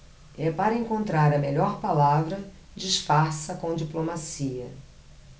é para encontrar a melhor palavra disfarça com diplomacia